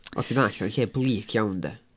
Ond ti'n dallt oedd o'n lle bleak iawn de.